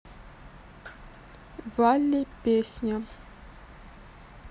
валли песня